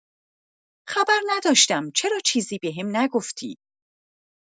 خبر نداشتم، چرا چیزی بهم نگفتی؟